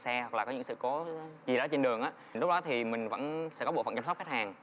xe là có những sự cố gì đó trên đường lúc đó thì mình vẫn sẽ có bộ phận chăm sóc khách hàng